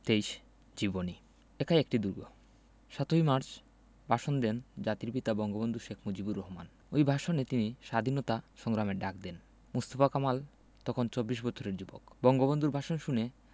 ২৩ জীবনী একাই একটি দুর্গ ৭ই মার্চ ভাষণ দেন জাতির পিতা বঙ্গবন্ধু শেখ মুজিবুর রহমান ওই ভাষণে তিনি স্বাধীনতা সংগ্রামের ডাক দেন মোস্তফা কামাল তখন চব্বিশ বছরের যুবক বঙ্গবন্ধুর ভাষণ শুনে